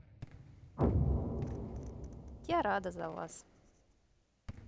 я рада за вас